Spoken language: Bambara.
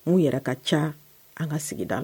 U yɛrɛ ka ca an ka sigida la.